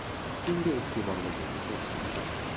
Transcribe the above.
Син дә игътибарлы бул, яшь дустым!